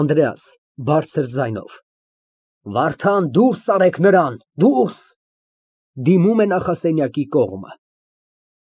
ԱՆԴՐԵԱՍ ֊ (Բարձր ձայնով) Վարդան, դուրս արեք նրան, դուրս։ (Դիմում է նախասենյակի կողմը)։